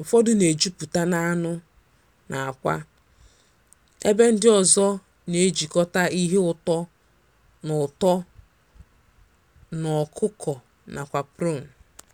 ụfọdụ na-ejupụta n'anụ na àkwá, ebe ndị ọzọ na-ejikọta ihe ụtọ na ụtọ na ọkụkọ nakwa prune.